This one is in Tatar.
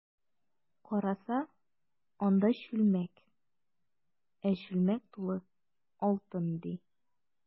Караса, анда— чүлмәк, ә чүлмәк тулы алтын, ди.